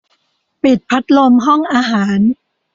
ปิดพัดลมห้องอาหาร